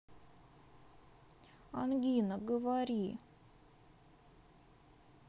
ангина говори